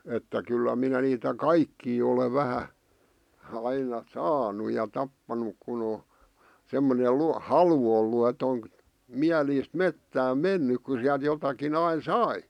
että kyllä minä niitä kaikkia olen vähän aina saanut ja tappanut kun on semmoinen - halu ollut että on mielisti metsään mennyt kun sieltä jotakin aina sai